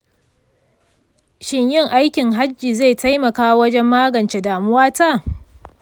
shin yin aikin hajji zai taimaka wajen magance damuwata?